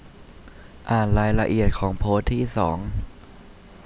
อ่านรายละเอียดของโพสต์ที่สอง